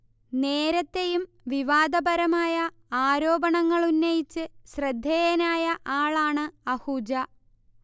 നേരത്തെയും വിവാദപരമായ ആരോപണങ്ങൾ ഉന്നയിച്ച് ശ്രദ്ധേയനായ ആളാണ് അഹൂജ